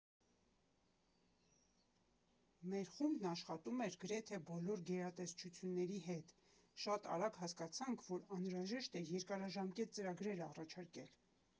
Մեր խումբն աշխատում էր գրեթե բոլոր գերատեսչությունների հետ, շատ արագ հասկացանք, որ անհրաժեշտ է երկարաժամկետ ծրագրեր առաջարկել։